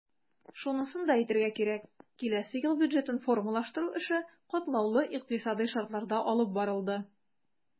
Шунысын да әйтергә кирәк, киләсе ел бюджетын формалаштыру эше катлаулы икътисадый шартларда алып барылды.